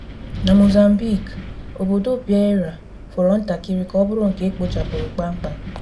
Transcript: Na Mozambique, obodo Beira fọrọ ntakịrị ka ọ bụrụ nke ekpochapụrụ kpamkpam.